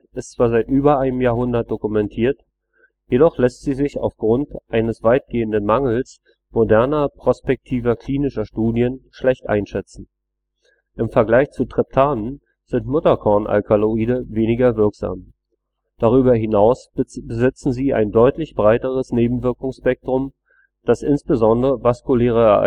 ist zwar seit über einem Jahrhundert dokumentiert, jedoch lässt sie sich auf Grund eines weitgehenden Mangels moderner prospektiver klinischer Studien schlecht einschätzen. Im Vergleich zu Triptanen sind Mutterkornalkaloide weniger wirksam. Darüber hinaus besitzen sie ein deutlich breiteres Nebenwirkungsspektrum, das insbesondere vaskuläre